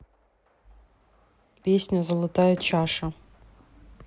песня золотая чаша